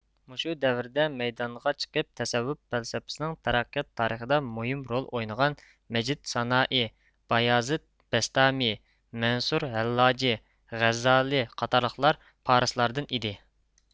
مۇشۇ دەۋردە مەيدانغا چىقىپ تەسەۋۋۇپ پەلسەپىسىنىڭ تەرەققىيات تارىخىدا مۇھىم رول ئوينىغان مەجىدسانائى بايازىد بەستامى مەنسۇرھەللاجى غەززالى قاتارلىقلار پارسلاردىن ئىدى